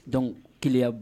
Donc keleya